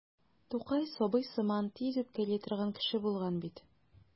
Тукай сабый сыман тиз үпкәли торган кеше булган бит.